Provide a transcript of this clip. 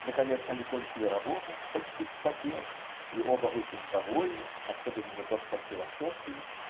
Наконец, они кончили работу, почти вспотев, и оба очень довольны, особенно доктор философии.